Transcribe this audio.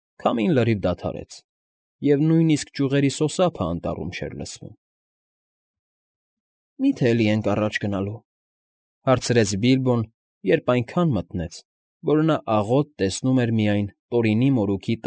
Քամին լրիվ դադարեց, և նույնիսկ ճյուղերի սոսափն անտառում չէր լսվում։ ֊ Մի՞թե էլի ենք առաջ գնալու,֊ հարցրեց Բիլբոն, երբ այնքան մթնեց, որ նա աղոտ տեսնում էր միայն Տորինի մորուքի։